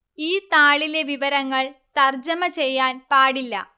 ഈ താളിലെ വിവരങ്ങൾ തർജ്ജമ ചെയ്യാൻ പാടില്ല